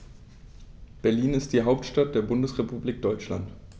Berlin ist die Hauptstadt der Bundesrepublik Deutschland.